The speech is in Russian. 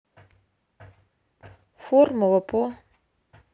формула по